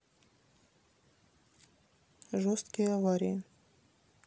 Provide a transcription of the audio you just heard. жесткие аварии